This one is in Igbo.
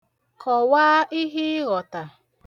Kowaa ihe ị ghota.